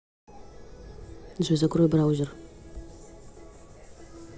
джой закрой браузер